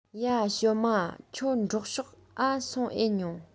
ཡ ཞོ མྰ ཁྱོད འབྲོག ཕྱོགས འ སོང ཨེ མྱོང